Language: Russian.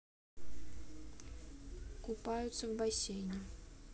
купаются в бассейне